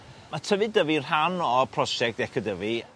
Ma' tyfu Dyfi rhan o prosiect Eco-Dyfi